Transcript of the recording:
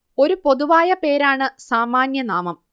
ഒരു പൊതുവായ പേരാണ് സാമാന്യ നാമം